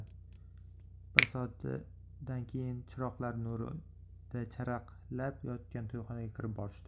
bir soatdan keyin chiroqlar nurida charaqlab yotgan to'yxonaga kirib borishdi